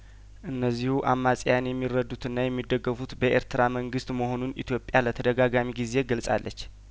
እነዚሁ አማጽያን የሚረዱትና የሚደገፉት በኤርትራ መንግስት መሆኑን ኢትዮጵያ ለተደጋጋሚ ጊዜ ገልጻለች